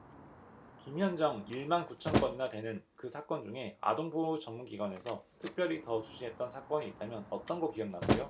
김현정 일 만 구천 건이나 되는 그 사건 중에 아동보호 전문기관에서 특별히 더 주시했던 사건이 있다면 어떤 거 기억나세요